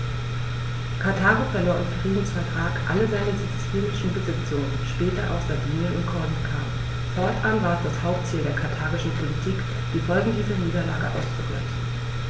Karthago verlor im Friedensvertrag alle seine sizilischen Besitzungen (später auch Sardinien und Korsika); fortan war es das Hauptziel der karthagischen Politik, die Folgen dieser Niederlage auszugleichen.